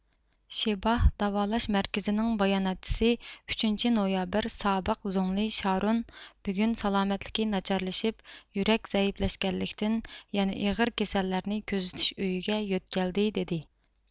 شېباھ داۋالاش مەركىزىنىڭ باياناتچىسى ئۈچىنچى نويابىر سابىق زۇڭلى شارون بۈگۈن سالامەتلىكى ناچارلىشىپ يۈرەك زەئىپلەشكەنلىكتىن يەنە ئېغىر كېسەللەرنى كۆزىتىش ئۆيىگە يۆتكەلدى دېدى